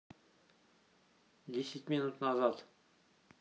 десять минут назад